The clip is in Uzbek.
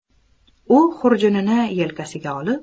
u xurjunini yelkasiga olib